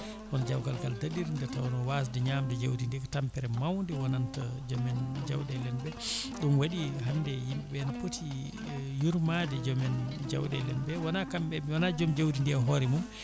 hono jawkal kal daaɗiri nde tawno wasde ñamde jawdi ndi ko tampere mawde wonanta joomen jawɗele en ɓe ɗum waɗi hande yimɓeɓe ne pooti yurmade joom en jawɗele en ɓe wona kamɓe wona joom jawdi ndi e hoore mum